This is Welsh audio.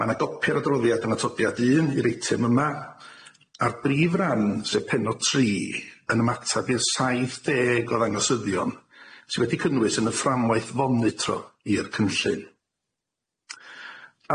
Ma' 'na gopi o'r adroddiad yn atodiad un i'r eitem yma a'r brif ran sef pennod tri yn ymatab i'r saith deg o ddangosyddion sy wedi cynnwys yn y fframwaith fonitro i'r cynllun.